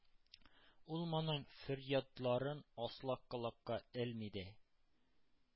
Ул моның фөрьядларын асла колакка элми дә.